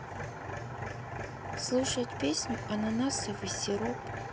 слушать песню ананасовый сироп